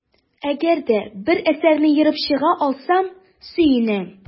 Әгәр дә бер әсәрне ерып чыга алсам, сөенәм.